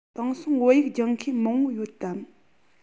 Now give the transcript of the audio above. དེང སང བོད ཡིག སྦྱོང མཁན མང པོ ཡོད དམ